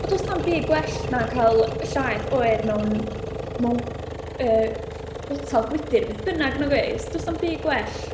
Ond does 'na'm byd gwell na cael llaeth oer mewn mewn yy botel gwydr, beth bynnag, nag oes? Does 'na'm byd gwell?